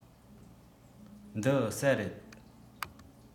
འདི ཟྭ རེད